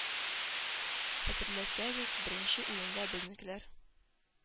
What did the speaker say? Хәтерләсәгез, беренче уенда безнекеләр